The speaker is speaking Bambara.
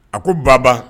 A ko baba